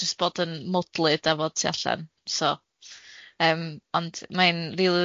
jyst bod yn mwdlyd a fod tu allan, so yym ond mai'n rili